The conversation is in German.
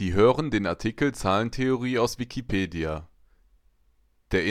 hören den Artikel Zahlentheorie, aus Wikipedia, der